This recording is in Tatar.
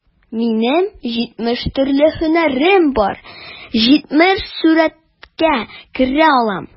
Минем җитмеш төрле һөнәрем бар, җитмеш сурәткә керә алам...